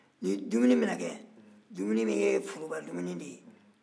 dumuni bɛ kɛ foroba dumuni de ye aw bɛ sigi